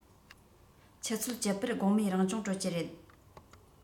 ཆུ ཚོད བཅུ པར དགོང མོའི རང སྦྱོང གྲོལ གྱི རེད